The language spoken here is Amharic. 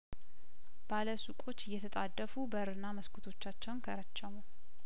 ባለሱቆች እየተጣደፉ በርና መስኮ ቶቻቸውን ከረቸሙ